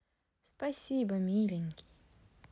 спасибо миленький